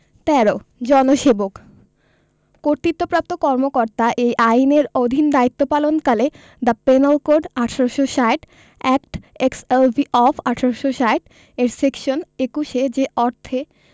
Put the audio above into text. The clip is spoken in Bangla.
১৩ জনসেবকঃ কর্তৃত্বপ্রাপ্ত কর্মকর্তা এই আইনের অধীন দায়িত্ব পালনকালে the penal code ১৮৬০ act XLV of ১৮৬০ এর সেকশন ২১ এ যে অর্থে